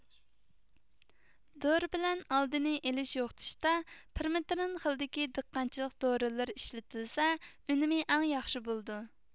دورا بىلەن ئالدىنى ئېلىش يوقىتىشتا پىرمېترىن خىلىدىكى دېھقانچىلىق دورىلىرى ئىشلىتىلسە ئۈنۈمى ئەڭ ياخشى بولىدۇ